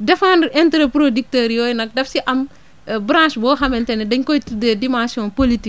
défendre intérêt producteurs yooyu nag daf si am branche boo xamante ne dañ koy tuddee dimension plolitique